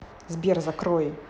сбер закрой